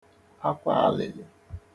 akwa alị̀lị̀